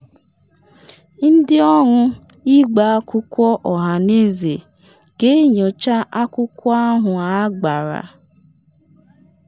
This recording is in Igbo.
Ndị Ọrụ Ịgba Akwụkwọ Ọhaneze ga-enyocha akwụkwọ ahụ agbara.